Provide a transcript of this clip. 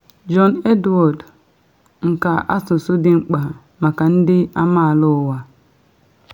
John Edward: Nka asụsụ dị mkpa maka ndị amaala ụwa